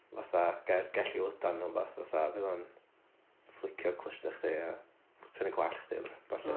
fatha Ger Gelli Lydan neu wbath fatha fydd o'n fflico clustia chdi a tynnu gwallt chdi a b- ballu